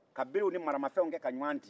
ka bere ni maramafɛnw kɛ ka ɲɔgɔn ci